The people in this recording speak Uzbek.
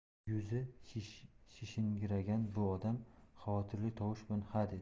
yuzi shishinqiragan bu odam xavotirli tovush bilan ha dedi